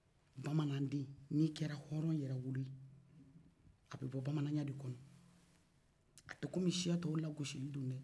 bamananden n'i kɛra hɔrɔn yɛrɛwolo ye a bɛ bɔ bamananya de kɔnɔ a tɛ kɔmi siya tɔw lagosili don dɛ